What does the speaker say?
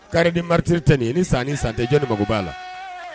Kari ni maritire tɛ nin ye ni san ni santejɔni mako b'a la